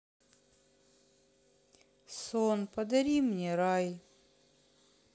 сон подари мне рай